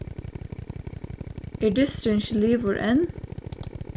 er dysturin ikki liðugur enn